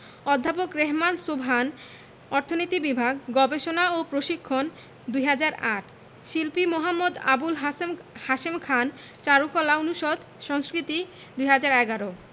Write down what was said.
অধ্যাপক রেহমান সোবহান অর্থনীতি বিভাগ গবেষণা ও প্রশিক্ষণ ২০০৮ শিল্পী মু. আবুল হাশেম খান চারুকলা অনুষদ সংস্কৃতি ২০১১